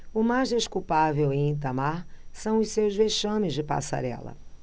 o mais desculpável em itamar são os seus vexames de passarela